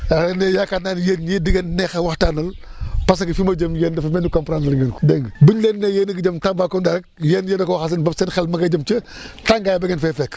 waaw ne yaakaar naa ni yéen ñii di ngeen neex a waxtaanal parce que fi ma jëm yéen dafa mel ni comprendre ngeen ko dégg nga bu ñu leen ne yéen a ngi jëm Tambacounda rek yéen yéen a ko waxal seen bopp seen xel manga jëm tàngaay ba ngeen fay fekk